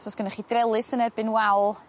os o's gennoch chi drelis yn erbyn wal